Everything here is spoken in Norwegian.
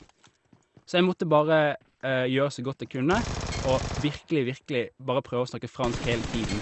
Så jeg måtte bare gjøre så godt jeg kunne, og virkelig, virkelig bare prøve å snakke fransk hele tiden.